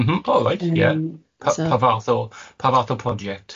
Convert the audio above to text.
M-hm o reit ie... Ym. ...pa pa fath o pa fath o project?